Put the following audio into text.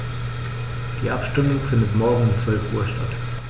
Die Abstimmung findet morgen um 12.00 Uhr statt.